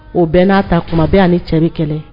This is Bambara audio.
O bɛɛ n'a ta kuma bɛ a cɛ kɛlɛ